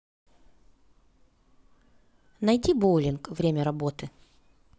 найди боулинг время работы